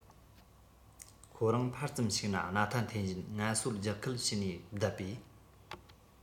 ཁོ རང ཕར ཙམ ཞིག ན སྣ ཐ འཐེན བཞིན ངལ གསོ རྒྱག ཁུལ བྱས ནས བསྟད པས